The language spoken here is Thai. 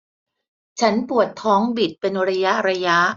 ฉันปวดท้องบิดเป็นระยะระยะ